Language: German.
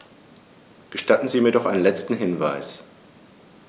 Gestatten Sie mir noch einen letzten Hinweis.